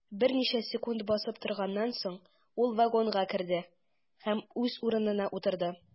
Берничә секунд басып торганнан соң, ул вагонга керде һәм үз урынына утырды.